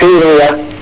ke wiin we mbi'aa,